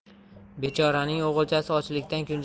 bechoraning o'g'ilchasi ochlikdan kunjara